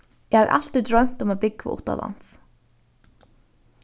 eg havi altíð droymt um at búgva uttanlands